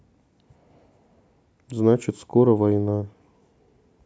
значит скоро война